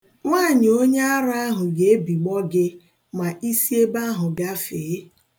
Nwaanyị onyeara ahụ ga-ebigbo gị ma isi ebe ahụ gafee.